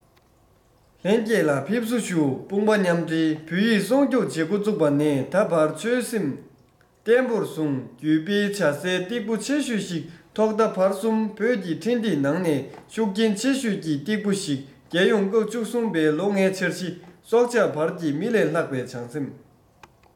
ལྷན རྒྱས ལ ཕེབས བསུ བཞུ དཔུང པ མཉམ འབྲེལ བོད ཡིག སྲུང སྐྱོབ བྱེད འགོ བཙུགས པ ནས ད བར ཆོས སེམས བརྟན པོར བཟུང བརྒྱུད སྤེལ བྱ སའི སྟེགས བུ ཆེ ཤོས ཞིག ཐོག མཐའ བར གསུམ བོད ཀྱི འཕྲིན སྟེགས ནང ནས ཤུགས རྐྱེན ཆེ ཤོས ཀྱི སྟེགས བུ ཞིག རྒྱལ ཡོངས སྐབས བཅུ གསུམ པའི ལོ ལྔའི འཆར གཞི སྲོག ཆགས བར གྱི མི ལས ལྷག པའི བྱམས སེམས